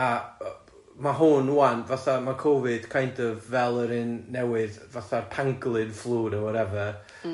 A yy ma' hwn ŵan fatha ma' Covid kind of fel yr un newydd fatha'r Pangolin Flu ne' whatever... M-hm